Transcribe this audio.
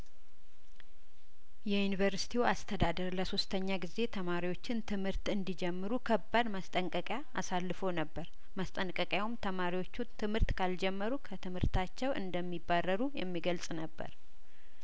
የዩኒቨርስቲው አስተዳደር ለሶስተኛ ጊዜ ተማሪዎችን ትምህርት እንዲጀምሩ ከባድ ማስጠንቀቂያ አሳልፎ ነበር ማስጠንቀቂያውም ተማሪዎቹ ትምህርት ካልጀመሩ ከትምርታቸው እንደሚባረሩ የሚገልጽ ነበር